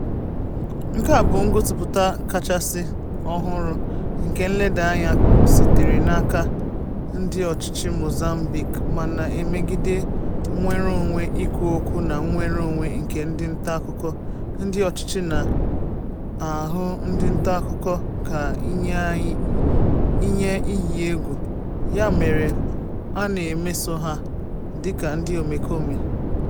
Nke a bụ ngosipụta kachasị ọhụrụ nke nleda anya sitere n'aka ndị ọchịchị Mozambique ma na-emegide nnwereonwe ikwu okwu na nnwereonwe nke ndị ntaakụkọ... ndị ọchịchị na-ahụ ndị ntaakụkọ ka ihe iyi egwu, ya mere a na-emeso ha dị ka ndị omekome.